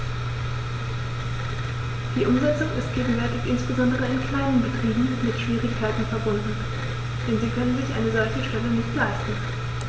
Die Umsetzung ist gegenwärtig insbesondere in kleinen Betrieben mit Schwierigkeiten verbunden, denn sie können sich eine solche Stelle nicht leisten.